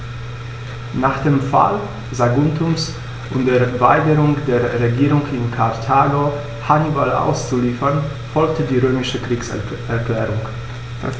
Nach dem Fall Saguntums und der Weigerung der Regierung in Karthago, Hannibal auszuliefern, folgte die römische Kriegserklärung.